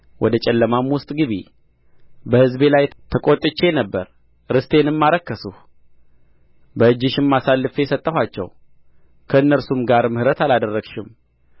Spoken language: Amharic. ወደ ጨለማም ውስጥ ግቢ በሕዝቤ ላይ ተቈጥቼ ነበር ርስቴንም አረከስሁ በእጅሽም አሳልፌ ሰጠኋቸው ከእነርሱ ጋር ምሕረት አላደረግሽም